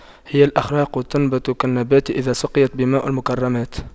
هي الأخلاق تنبت كالنبات إذا سقيت بماء المكرمات